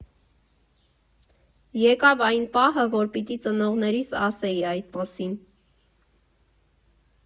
Եկավ այն պահը, որ պիտի ծնողներիս ասեի այդ մասին։